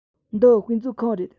འདི དཔེ མཛོད ཁང རེད